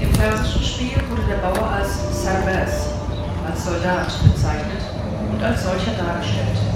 persischen Spiel wurde der Bauer als sæɾbɒːz / سرباز /‚ Soldat ‘bezeichnet und als solcher dargestellt